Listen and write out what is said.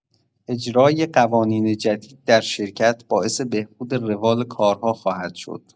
اجرا قوانین جدید در شرکت باعث بهبود روال کارها خواهد شد.